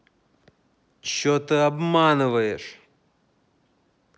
что ты обманываешь